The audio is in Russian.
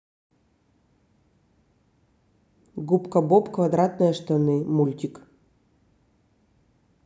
губка боб квадратные штаны мультик